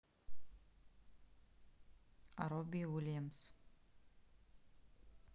робби уильямс